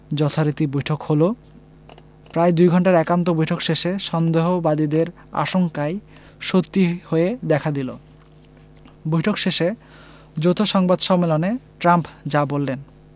যথারীতি বৈঠক হলো প্রায় দুই ঘণ্টার একান্ত বৈঠক শেষে সন্দেহবাদীদের আশঙ্কাই সত্যি হয়ে দেখা দিল বৈঠক শেষে যৌথ সংবাদ সম্মেলনে ট্রাম্প যা বললেন